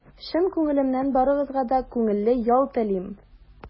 Чын күңелемнән барыгызга да күңелле ял телим!